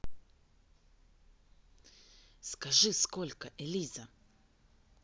скажи сколько элиза